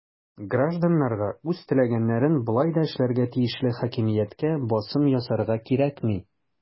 Гражданнарга үз теләгәннәрен болай да эшләргә тиешле хакимияткә басым ясарга кирәкми.